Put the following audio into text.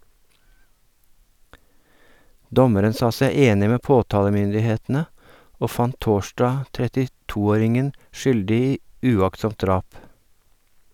Dommeren sa seg enig med påtalemyndighetene, og fant torsdag 32-åringen skyldig i uaktsomt drap.